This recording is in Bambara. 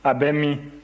a bɛ min